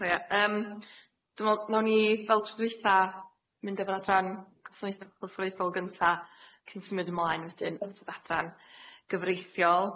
So ie yym dwi me'wl nawn ni fel tro dwitha mynd efo'r adran gwasanaethe corfforaethol gynta cyn symud ymlaen wedyn yn sydd adran gyfreithiol.